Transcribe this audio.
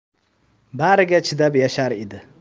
bariga chidab yashar edi